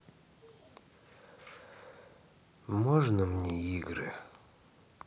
можно мне игры